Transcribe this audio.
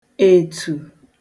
ètù